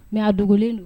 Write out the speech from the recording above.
Mais a dogolen don